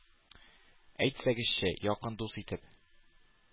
Әйтсәгезче, якын дус итеп,